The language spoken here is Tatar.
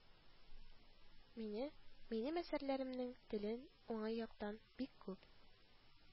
Мине, минем әсәрләремнең телен уңай яктан бик күп